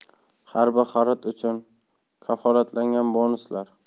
har bir xarid uchun kafolatlangan bonuslar